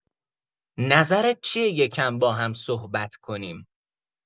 نظرت چیه یکم باهم صحبت کنیم؟